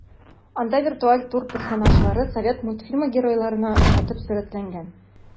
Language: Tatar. Анда виртуаль тур персонажлары совет мультфильмы геройларына охшатып сурәтләнгән.